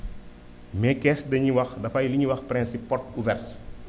mais kees dañuy wax dafay lu ñuy wax principe porte ouverte